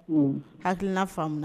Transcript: Huun, hakilina faamuna